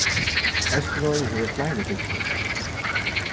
eysturoy hevur fleiri bygdir